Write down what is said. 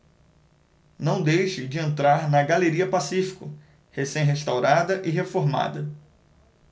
não deixe de entrar na galeria pacífico recém restaurada e reformada